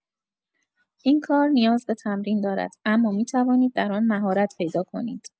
این کار نیاز به تمرین دارد، اما می‌توانید در آن مهارت پیدا کنید!